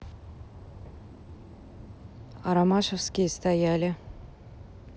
аромашевские стояли